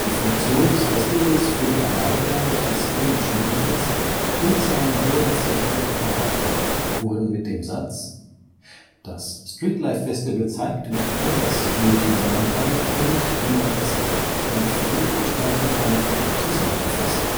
Funktion des Festivals für die Erweiterung das Image Münchens und sein bürgerzentrierter Charakter wurden mit dem Satz „ [d] as Streetlife Festival zeigt, wie anders München sein kann und wie man es aktiv mitgestalten kann “zusammengefasst